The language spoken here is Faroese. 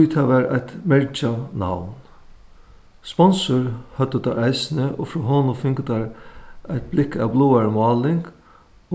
tí tað var eitt mergjað navn sponsor høvdu teir eisini og frá honum fingu teir eitt blikk av bláari máling